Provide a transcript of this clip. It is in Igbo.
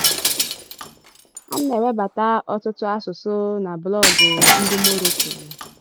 A na-ewebata ọtụtụ asụsụ na blọọgụ ndị Morocco.